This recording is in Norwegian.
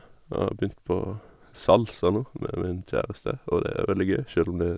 Har begynt på salsa nå med min kjæreste, og det er veldig gøy, sjøl om det...